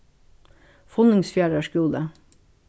funningsfjarðar skúli